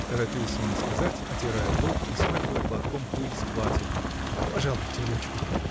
— торопился он сказать, отирая лоб и смахивая платком пыль с платья, — пожалуйте ручку!